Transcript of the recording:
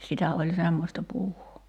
sitä oli semmoista puuhaa